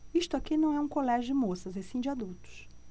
isto aqui não é um colégio de moças e sim de adultos